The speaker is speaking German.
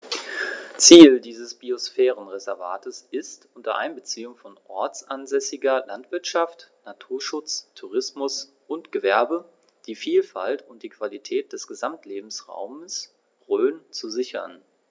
Ziel dieses Biosphärenreservates ist, unter Einbeziehung von ortsansässiger Landwirtschaft, Naturschutz, Tourismus und Gewerbe die Vielfalt und die Qualität des Gesamtlebensraumes Rhön zu sichern.